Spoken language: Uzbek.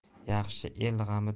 yaxshi el g'amida